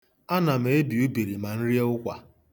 Ana m ebi ubiri ma m rie ụkwa.